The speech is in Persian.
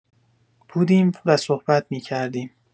بودیم و صحبت می‌کردیم.